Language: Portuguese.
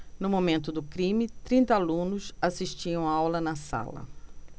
no momento do crime trinta alunos assistiam aula na sala